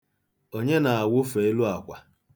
Onye na-awụfe elu akwa?